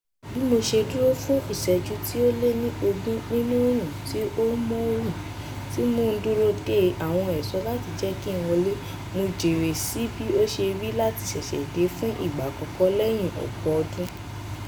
Bí mo ṣe dúró fún ìṣẹ́jú tí ó lé ní ogún nínú oòrùn tí ó móoru tí mò ń dúró dé àwọn ẹ̀ṣọ́ láti jẹ́ kí n wọlé, mo jẹ́rìí sí bí ó ṣe rí láti ṣẹ̀ṣẹ̀ dé fún ìgbà àkọ́kọ́ lẹ́yìn ọ̀pọ̀ ọdún.